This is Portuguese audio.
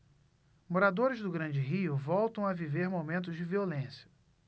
moradores do grande rio voltam a viver momentos de violência